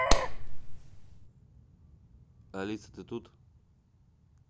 алиса ты тут